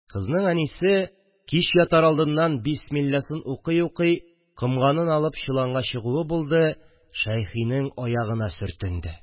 Кызның әнисе кич ятар алдыннан бисмилласын укый-укый комганын алып чоланга чыгуы булды – Шәйхинең аягына сөртенде